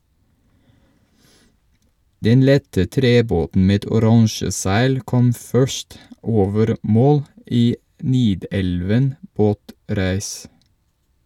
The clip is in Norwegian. Den lette trebåten med oransje seil kom først over mål i Nidelven båtræs.